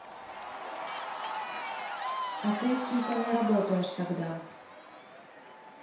а ты типа не работаешь тогда